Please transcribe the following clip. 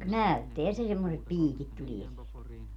näyttää se semmoiset piikit tulee sieltä